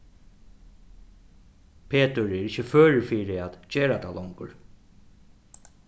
petur er ikki førur fyri at gera tað longur